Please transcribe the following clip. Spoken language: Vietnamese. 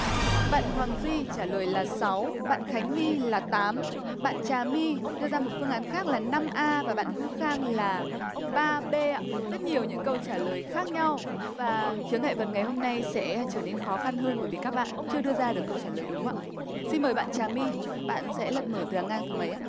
bạn hoàng duy trả lời là sáu bạn khánh my là tám bạn trà my đưa ra một phương án khác là năm a và bạn hữu khang là ba bê ạ rất nhiều những câu trả lời khác nhau và chướng ngại vật ngày hôm nay sẽ trở nên khó khăn hơn bởi vì các bạn chưa đưa ra được câu trả lời đúng ạ xin mời bạn trà my bạn sẽ lật mở từ hàng ngang thứ mấy ạ